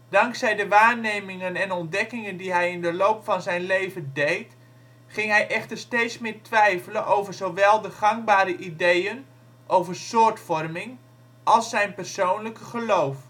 Dankzij de waarnemingen en ontdekkingen die hij in de loop van zijn leven deed ging hij echter steeds meer twijfelen over zowel de gangbare ideeën over soortvorming als zijn persoonlijke geloof